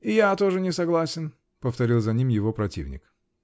-- И я тоже не согласен, -- повторил за ним его противник.